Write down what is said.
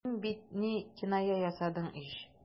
Син бит... ни... киная ясадың ич.